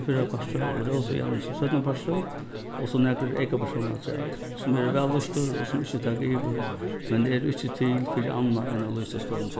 í fyrra parti og rósa og janus í seinna parti og so nakrir eykapersónar afturat sum eru væl lýstir og sum ikki taka yvir men eru ikki til fyri annað enn at lýsa støðuna